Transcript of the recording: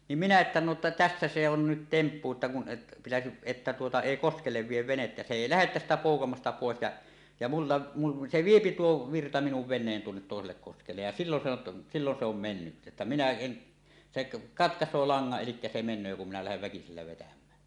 niin minä että no tässä se on nyt temppu että kun pitäisi että tuota ei koskelle vie venettä se ei lähde tästä poukamasta pois ja ja minulla - se vie tuo virta minun veneen tuonne toiselle koskelle ja silloin se on silloin se on mennyttä että minä en se katkaisee langan eli se menee kun minä lähden väkisin vetämään